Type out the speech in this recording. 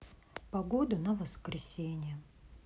погода на воскресенье